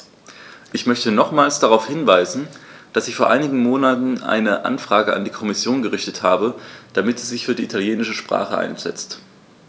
Ich möchte nochmals darauf hinweisen, dass ich vor einigen Monaten eine Anfrage an die Kommission gerichtet habe, damit sie sich für die italienische Sprache einsetzt.